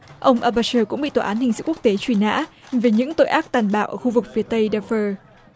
ông a ba sơ cũng bị tòa án hình sự quốc tế truy nã vì những tội ác tàn bạo ở khu vực phía tây đa phơ